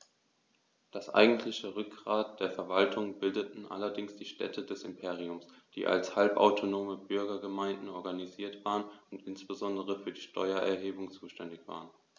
Das eigentliche Rückgrat der Verwaltung bildeten allerdings die Städte des Imperiums, die als halbautonome Bürgergemeinden organisiert waren und insbesondere für die Steuererhebung zuständig waren.